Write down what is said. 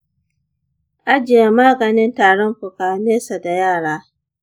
ajiye maganin tarin fuka nesa da yara.